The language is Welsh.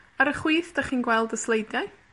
Ar y chwith, 'dych chi'n gweld y sleidiau.